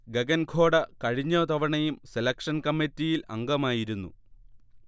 ഗഗൻ ഖോഡ കഴിഞ്ഞ തവണയും സെലക്ഷൻ കമ്മിറ്റിയിൽ അംഗമായിരുന്നു